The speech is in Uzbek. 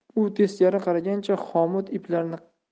u teskari qaragancha xomut